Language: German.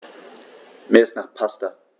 Mir ist nach Pasta.